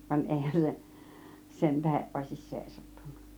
vaan eihän se sen tähden olisi seisahtunut